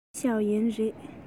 ལིའི ཞའོ ཡན རེད